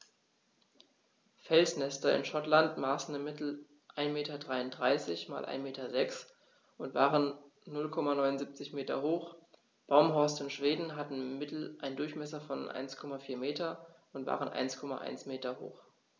Felsnester in Schottland maßen im Mittel 1,33 m x 1,06 m und waren 0,79 m hoch, Baumhorste in Schweden hatten im Mittel einen Durchmesser von 1,4 m und waren 1,1 m hoch.